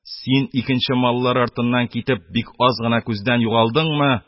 Син икенче маллар артыннан китеп, бик аз гына күздән югалдыңмы -